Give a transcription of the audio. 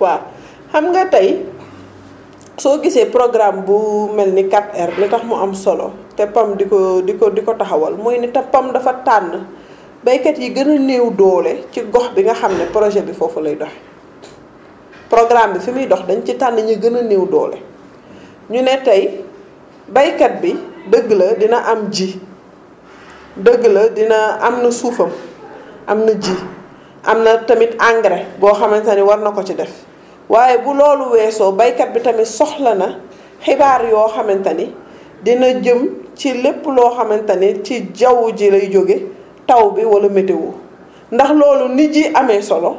waaw xam nga tey soo gisee programme bu mel ni 4R li tax mu am solo te PAM di ko di ko di ko taxawal muy ni te PAM dafa tànn béykat yi gën a néew doole ci gox bi nga xam ne projet bi foofu lay doxee programme bi fi muy dox dañ ci tànn ñi gën a néew doole ñu ne tey béykat bi dëgg la dina am ji dëgg la dina am na suufam am na ji am na tamit engrais boo xamante ne war na ko ci def waaye bu loolu weesoo béykat bi tamit soxla na xibaar yoo xamante ni dina jëm ci lépp loo xamante ni ci jaww ji lay jógee taw bi wala météo ndax loolu ni ji amee solo